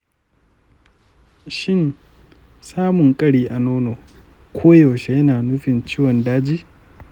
shin samun ƙari a nono koyaushe yana nufin ciwon daji?